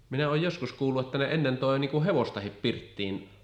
minä olen joskus kuullut että ne ennen toi niin kuin hevostakin pirttiin